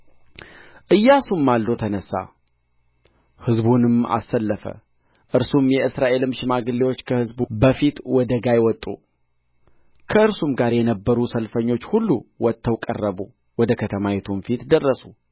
ኢያሱም ማልዶ ተነሣ ሕዝቡንም አሰለፈ እርሱም የእስራኤልም ሽማግሌዎች ከሕዝቡ በፊት ወደ ጋይ ወጡ ከእርሱም ጋር የነበሩ ሰልፈኞች ሁሉ ወጥተው ቀረቡ ወደ ከተማይቱም ፊት ደረሱ